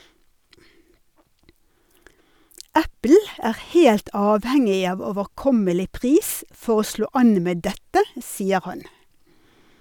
Apple er helt avhengig av overkommelig pris for å slå an med dette , sier han.